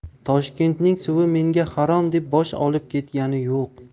toshkentning suvi menga harom deb bosh olib ketgani yo'q